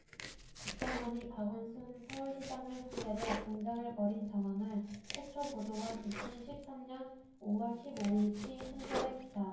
국정원이 박원순 서울시장을 상대로 공작을 벌인 정황을 최초 보도한 이천 십 삼 년 오 월 십 오 일치 한겨레 기사